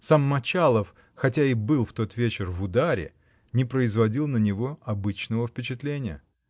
сам Мочалов, хотя и был в тот вечер "в ударе", не производил на него обычного впечатления.